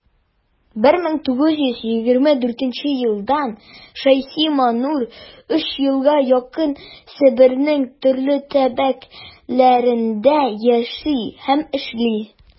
1924 елдан ш.маннур өч елга якын себернең төрле төбәкләрендә яши һәм эшли.